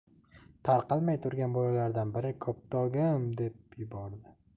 tarqalmay turgan bolalardan biri koptogim deb yubordi